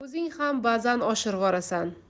o'zing ham ba'zan oshirvorasan